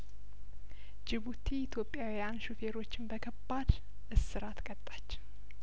ጅቡቲ ኢትዮጵያውያን ሹፌሮችን በከባድ እስራት ቀጣች